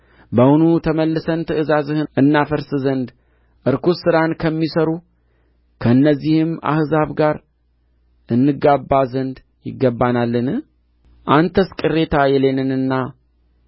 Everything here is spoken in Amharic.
በውኑ ተመልሰን ትእዛዝህን እናፈርስ ዘንድ ርኩስ ሥራን ከሚሠሩ ከእነዚህም አሕዛብ ጋር እንገባ ዘንድ ይገባናልን አንተስ ቅሬታ የሌለንና